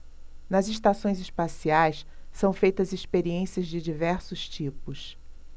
nas estações espaciais são feitas experiências de diversos tipos